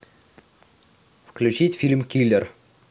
включить фильм киллер